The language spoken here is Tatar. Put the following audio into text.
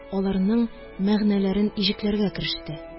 Аларның мәгънәләрен иҗекләргә кереште